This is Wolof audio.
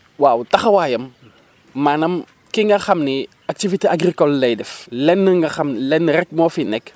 waaw taxawaayam maanaam ki nga xam ni activité agricole lay def lenn nga xam lenn rek moo fi nekk